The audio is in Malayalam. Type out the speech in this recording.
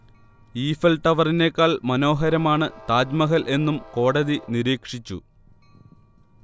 ഈഫൽ ടവറിനെക്കാൾ മനോഹരമാണ് താജ്മഹൽ എന്നും കോടതി നിരീക്ഷിച്ചു